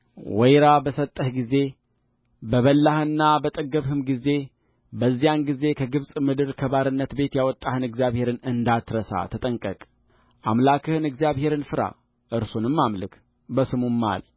ወይራ በሰጠህ ጊዜ በበላህና በጠገብህም ጊዜበዚያን ጊዜ ከግብፅ ምድር ከባርነት ቤት ያወጣህን እግዚአብሔርን እንዳትረሳ ተጠንቀቅአምላክህን እግዚአብሔርን ፍራ እርሱንም አምልክ በስሙም ማል